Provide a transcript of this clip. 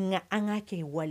Ŋa an ŋa kɛ wal